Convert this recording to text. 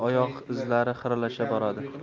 oyoq izlari xiralasha boradi